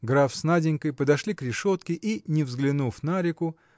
Граф с Наденькой подошли к решетке и не взглянув на реку